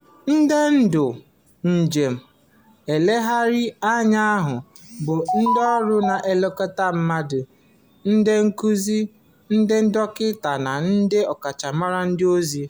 Ndị ndu njem nlegharị anya ahụ bụ ndị ọrụ na-elekọta mmadụ, ndị nkuzi, ndị dọkịta na ndị ọkachamara ndị ọzọ.